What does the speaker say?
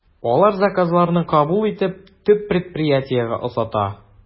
Алар заказларны кабул итеп, төп предприятиегә озата.